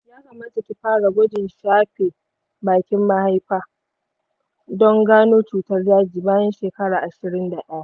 ya kamata ki fara gwajin shafe bakin mahaifa don gano cutar daji bayan shekara ashrin da daya.